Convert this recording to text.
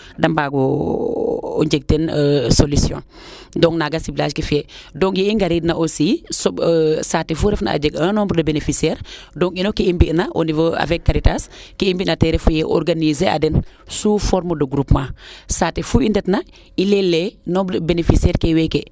de mbaago o njeg teen solution donc naaga siblage ke fiye donc ye i ngariid na aussi soɓ saatew fu refna a jeg un nombre de beneficiare donc ino kee i mbina au nivau avec Karitas ke i mbina refu yee organiser a den sous forme de groupement saate fuu i ndet na i leyele